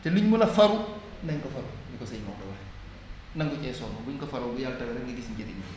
te liñ mën a faru nañ ko faru ni ko sëñ Maodo waxee nangu cee sonn bu ñu ko faroo bu Yàlla tawee rekk nga gis njëriñ li